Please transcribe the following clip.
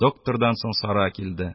Доктордан соң Сара килде.